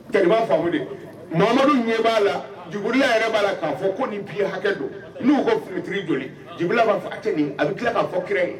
Kɛlɛ faamu mamadu b'a la jugula yɛrɛ b'a la k'a fɔ ko nin pye hakɛ don n'u ko fitiri jɔ'a fɔ a tɛ nin a bɛ tila k'a fɔ kira